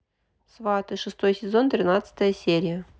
сваты шестой сезон тринадцатая серия